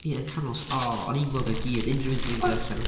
Ie, yn canol. S- o! O'n i'n gweld o i gyd, unrhyw un sy... o- ...ddim 'di ddarllen o.